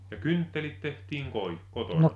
ja kynttilät tehtiin - kotona